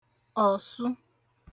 ọ̀sụ